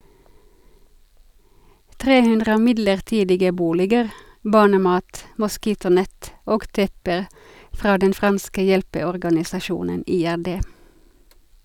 300 midlertidige boliger , barnemat , moskitonett og tepper fra den franske hjelpeorganisasjonen IRD.